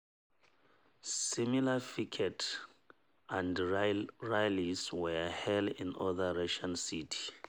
Similar pickets and rallies were held in other Russian cities.